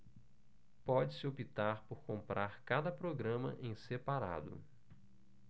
pode-se optar por comprar cada programa em separado